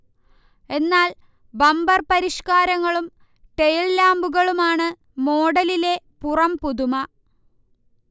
എന്നാൽ ബമ്പർ പരിഷ്കാരങ്ങളും ടെയിൽ ലാമ്പുകളുമാണ് മോഡലിലെ പുറംപുതുമ